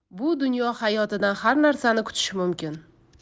bu dunyo hayotidan har narsani kutish mumkin